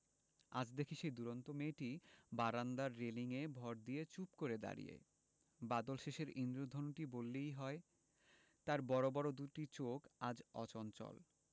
আজ দেখি সেই দূরন্ত মেয়েটি বারান্দায় রেলিঙে ভর দিয়ে চুপ করে দাঁড়িয়ে বাদলশেষের ঈন্দ্রধনুটি বললেই হয় তার বড় বড় দুটি চোখ আজ অচঞ্চল